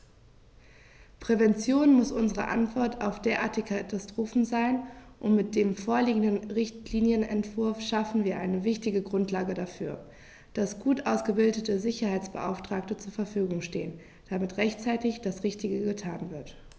Prävention muss unsere Antwort auf derartige Katastrophen sein, und mit dem vorliegenden Richtlinienentwurf schaffen wir eine wichtige Grundlage dafür, dass gut ausgebildete Sicherheitsbeauftragte zur Verfügung stehen, damit rechtzeitig das Richtige getan wird.